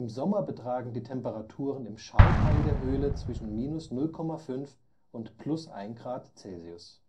Sommer betragen die Temperaturen im Schauteil der Höhle zwischen -0,5 und +1 Grad Celsius